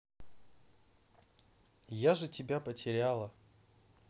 я же тебя потеряла